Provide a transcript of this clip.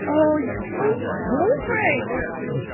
Oh, he's so boring!